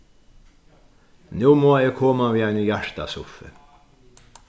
nú má eg koma við einum hjartasuffi